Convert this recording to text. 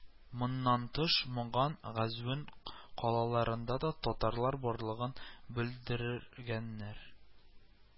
Моннан тыш, Моган, Газвен калаларында да татарлар барлыгын белдергәннәр